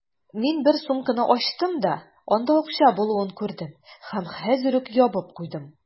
Мин бер сумканы ачтым да, анда акча булуын күрдем һәм хәзер үк ябып куйдым.